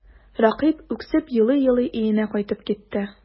Рәкыйп үксеп елый-елый өенә кайтып китте.